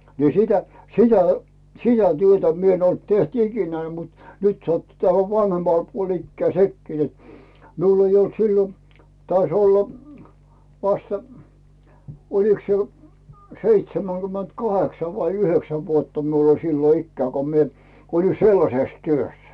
niin sitä sitä sitä työtä minä en ollut tehnyt ikinä mutta nyt sattui tähän vanhemmalle puolelle ikää sekin että minulla ei ollut silloin taisi olla vasta olikos se seitsemänkymmentä kahdeksan vai yhdeksän vuotta minulla oli silloin ikää kun minä olin sellaisessa työssä